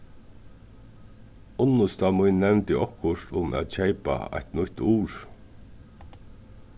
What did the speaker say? unnusta mín nevndi okkurt um at keypa eitt nýtt ur